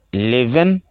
Le2